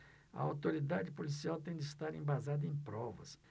a autoridade policial tem de estar embasada em provas